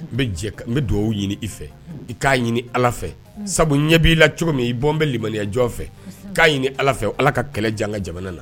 N bɛ n bɛ dugawu ɲini i fɛ i k'a ɲini ala fɛ sabu ɲɛ b'i la cogo min i bɔ n bɛ mmaniyajɔ fɛ k'a ɲini ala fɛ ala ka kɛlɛ jan ka jamana na